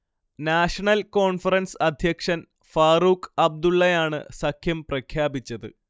national conference അധ്യക്ഷൻ ഫാറൂഖ് അബ്ദുള്ളയാണ് സഖ്യം പ്രഖ്യാപിച്ചത്